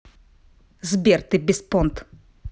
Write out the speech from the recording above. сбер ты беспонт